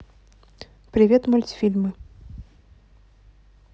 привет мультфильмы